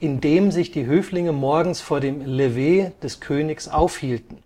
in dem sich die Höflinge morgens vor dem Lever des Königs aufhielten